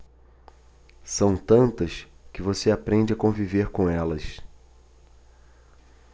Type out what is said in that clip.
são tantas que você aprende a conviver com elas